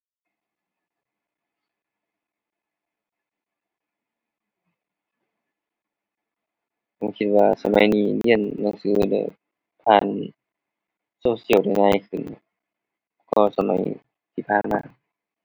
ผมคิดว่าสมัยนี้เรียนหนังสือกันด้วย ผ่านโซเชียลได้หลายขึ้นกว่าสมัยที่ผ่านมา